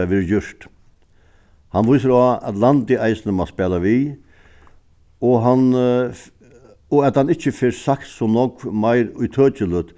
hvat verður gjørt hann vísir á at landið eisini má spæla við og hann og at hann ikki fær sagt so nógv meir ítøkiligt